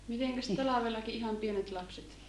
mitenkäs talvellakin ihan pienet lapset